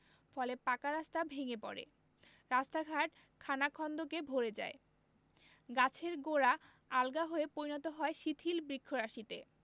ফলে পাকা রাস্তা ভেঙ্গে পড়ে রাস্তাঘাট খানাখন্দকে ভরে যায় গাছের গোড়া আলগা হয়ে পরিণত হয় শিথিল বৃক্ষরাশিতে